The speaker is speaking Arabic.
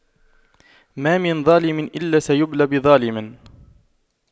ما من ظالم إلا سيبلى بظالم